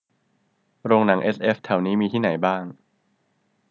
โรงหนังเอสเอฟแถวนี้มีที่ไหนบ้าง